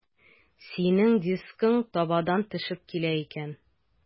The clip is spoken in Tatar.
Синең дискың табадан төшеп килә икән.